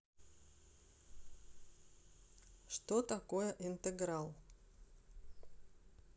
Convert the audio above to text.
что такое интеграл